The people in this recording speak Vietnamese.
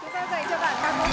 chúng tôi dành cho bạn ba câu